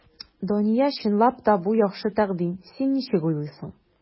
Дания, чынлап та, бу яхшы тәкъдим, син ничек уйлыйсың?